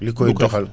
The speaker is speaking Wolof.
li koy doxal